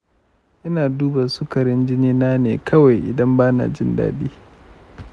ina duba sukarin jinina ne kawai idan bana jin daɗi.